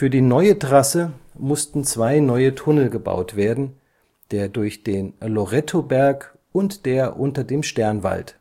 die neue Trasse mussten zwei neue Tunnel gebaut werden, der durch den Lorettoberg und der unter dem Sternwald